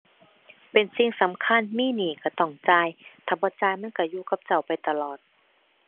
เป็นสิ่งสำคัญมีหนี้ก็ต้องจ่าย ถ้าบ่จ่ายมันก็อยู่กับเจ้าไปตลอด